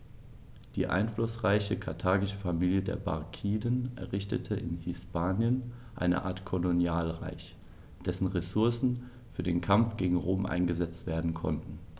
Die einflussreiche karthagische Familie der Barkiden errichtete in Hispanien eine Art Kolonialreich, dessen Ressourcen für den Kampf gegen Rom eingesetzt werden konnten.